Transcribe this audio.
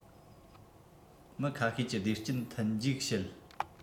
མི ཁ ཤས གྱི བདེ སྐྱིད མཐུན འཇུག བྱེད